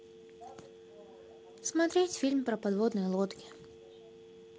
смотреть фильм про подводные лодки